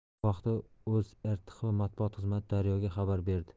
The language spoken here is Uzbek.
bu haqda o'zrtxb matbuot xizmati daryo ga xabar berdi